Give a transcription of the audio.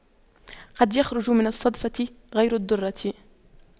قد يخرج من الصدفة غير الدُّرَّة